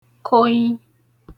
konyi